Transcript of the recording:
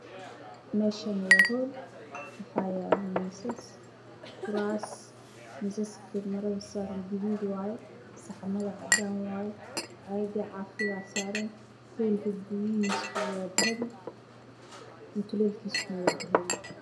Meshan waa hool waxaa yalo misas iyo kurasman miska marad saran gadud wayay saxmanka waa cadan caag cafi aasaran hoolka kudahisa waa dahabi